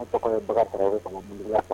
n tɔgɔ ye Bakari Togola ka bɔ Muntugula